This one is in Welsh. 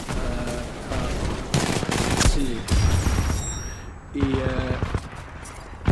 yy fatha tŷ i yy